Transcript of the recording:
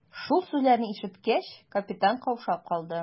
Шул сүзләрне ишеткәч, капитан каушап калды.